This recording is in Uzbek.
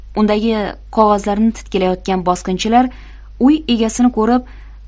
undagi qog'ozlarni titkilayotgan bosqinchilar uy egasini ko'rib